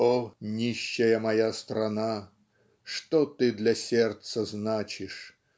О, нищая моя страна, Что ты для сердца значишь?